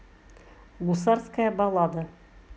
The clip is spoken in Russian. гусарская баллада